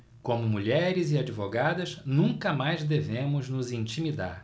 como mulheres e advogadas nunca mais devemos nos intimidar